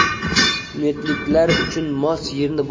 unetliklar uchun mos yerni